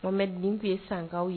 Momɛdi nin kun ye Sankaw ye.